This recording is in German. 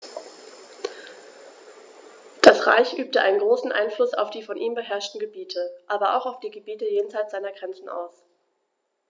Das Reich übte einen großen Einfluss auf die von ihm beherrschten Gebiete, aber auch auf die Gebiete jenseits seiner Grenzen aus.